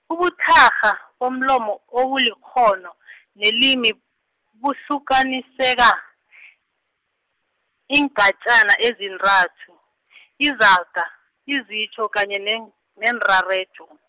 ubuthakgha bomlomo obulikghono , lelimi, buhlukaniseka , iingatjana ezintathu , izaga, izitjho, kanye ne- neenrarejo.